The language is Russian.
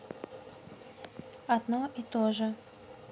одно и то же